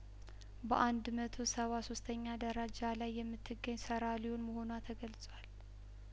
በአንድ መቶ ሰባ ሶስተኛ ደረጃ ላይ የምትገኝ ሰራ ሊዮን መሆኗ ተገልጿል